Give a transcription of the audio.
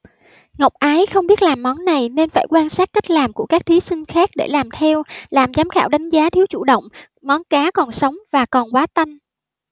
ngọc ái không biết làm món này nên phải quan sát cách làm của các thí sinh khác để làm theo làm giám khảo đánh giá thiếu chủ động món cá còn sống và còn quá tanh